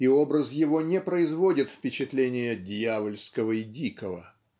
и образ его не производит впечатления "дьявольского и дикого"